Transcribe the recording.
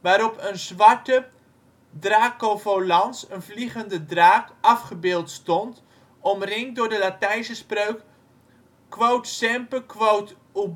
waarop een zwarte dracovolans (vliegende draak) afgebeeld stond omringd door de Latijnse spreuk Quod Semper, Quod Ubique